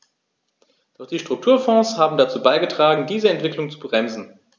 Doch die Strukturfonds haben dazu beigetragen, diese Entwicklung zu bremsen.